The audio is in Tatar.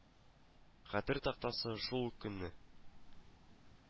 Хәтер тактасы шул ук көнне